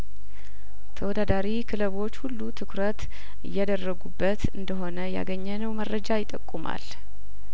ተወዳዳሪ ክለቦች ሁሉ ትኩረት እያደረጉበት እንደሆነ ያገኘ ነው መረጃ ይጠቁማል